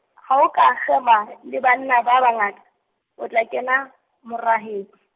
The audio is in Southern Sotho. ha o ka kgema , le banna ba bangata, o tla kena moraheng .